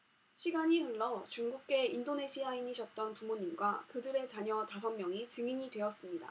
시간이 흘러 중국계 인도네시아인이셨던 부모님과 그들의 자녀 다섯 명이 증인이 되었습니다